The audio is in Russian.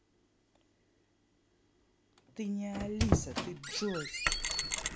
ты не алиса ты джой